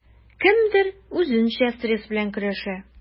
Кемдер үзенчә стресс белән көрәшә.